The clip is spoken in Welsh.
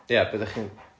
Ie, be da chi'n...